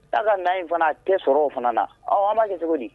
' ka na in fana tɛ sɔrɔ o fana na an ma kɛ cogo di